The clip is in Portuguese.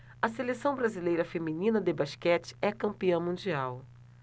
a seleção brasileira feminina de basquete é campeã mundial